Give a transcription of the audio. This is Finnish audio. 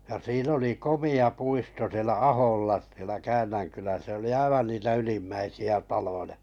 ja siinä oli komea puisto siellä Aholla siellä - se oli aivan niitä ylimmäisiä taloja